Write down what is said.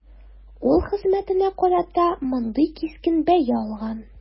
Үз хезмәтенә карата мондый кискен бәя алган.